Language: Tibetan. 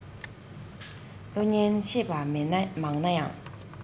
བློ ངན ཤེས པ མང ན ཡང